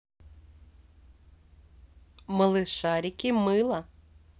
малышарики мыло